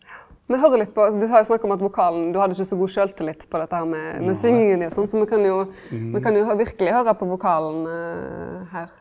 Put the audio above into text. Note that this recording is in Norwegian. ja me høyrer litt på altså du har jo snakka om at vokalen du hadde ikkje så god sjølvtillit på dette her med med synginga din og sånn, så me kan jo me kan jo verkeleg høyra på vokalen her.